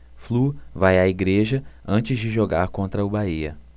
flu vai à igreja antes de jogar contra o bahia